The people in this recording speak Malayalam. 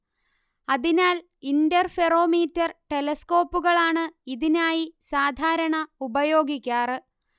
അതിനാൽ ഇന്റർഫെറൊമീറ്റർ ടെലസ്കോപ്പുകളാണ് ഇതിനായി സാധാരണ ഉപയോഗിക്കാറ്